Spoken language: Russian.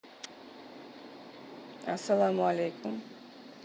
ассаламу алейкум